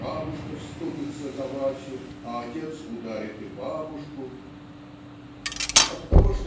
Бабушка вступится за Васю, а отец ударит и бабушку. Оттого